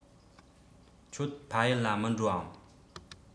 ཁྱོད ཕ ཡུལ ལ མི འགྲོ འམ